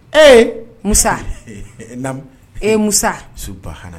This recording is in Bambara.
Ee Musa He he. Naamu. E Musa subahana